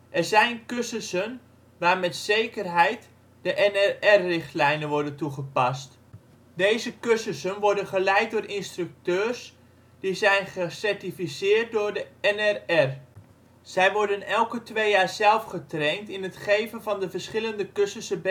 zijn cursussen waar met zekerheid de NRR richtlijnen worden toegepast. Deze cursussen worden geleid door instructeurs die zijn gecertificeerd doorde NRR. Zij worden elke twee jaar zelf getraind in het geven van de verschillende cursussen